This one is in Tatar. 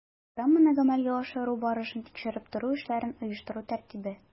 Программаны гамәлгә ашыру барышын тикшереп тору эшләрен оештыру тәртибе